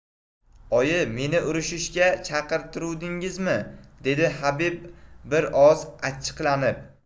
oyi meni urishishga chaqirtiruvdingizmi dedi habib bir oz achchiqlanib